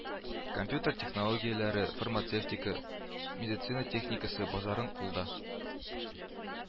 Компьютер технологияләре, фармацевтика, медицина техникасы базарын кулда